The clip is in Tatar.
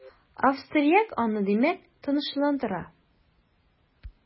Австрияк аны димәк, тынычландыра.